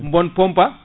boon pompe pa